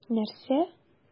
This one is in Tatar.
Нәрсә?!